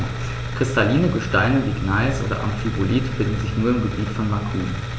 Kristalline Gesteine wie Gneis oder Amphibolit finden sich nur im Gebiet von Macun.